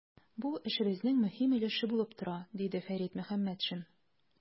Бу эшебезнең мөһим өлеше булып тора, - диде Фәрит Мөхәммәтшин.